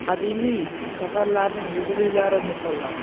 qadimiy shaharlarning yubileylari nishonlandi